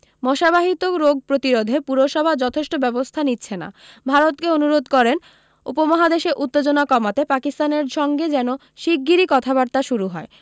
মশাবাহিত রোগ প্রতিরোধে পুরসভা যথেষ্ট ব্যবস্থা নিচ্ছে না ভারতকে অনুরোধ করেন উপমহাদেশে উত্তেজনা কমাতে পাকিস্তানের সঙ্গে যেন শিগগিরই কথাবার্তা শুরু হয়